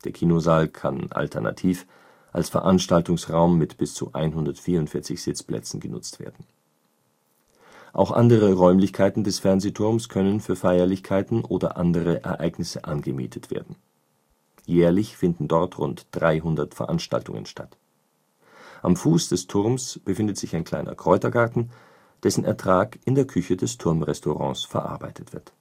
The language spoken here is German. Kinosaal kann alternativ als Veranstaltungsraum mit bis zu 144 Sitzplätzen genutzt werden. Auch andere Räumlichkeiten des Fernsehturms können für Feierlichkeiten oder andere Ereignisse angemietet werden. Jährlich finden dort rund 300 Veranstaltungen statt. Am Fuß des Turms befindet sich ein kleiner Kräutergarten, dessen Ertrag in der Küche des Turmrestaurants verarbeitet wird